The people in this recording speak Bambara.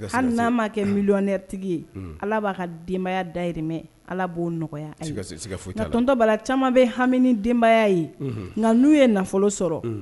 Hali' ma kɛ milɛtigi ye ala b'a ka denbaya dayimɛ ala b'o nɔgɔyato caman bɛ hami denbaya ye nka n'u ye nafolo sɔrɔ